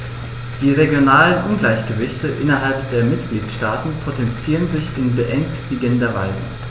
Die regionalen Ungleichgewichte innerhalb der Mitgliedstaaten potenzieren sich in beängstigender Weise.